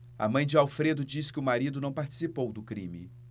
a mãe de alfredo diz que o marido não participou do crime